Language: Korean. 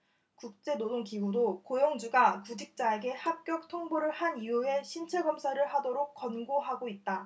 국제노동기구도 고용주가 구직자에게 합격 통보를 한 이후에 신체검사를 하도록 권고하고 있다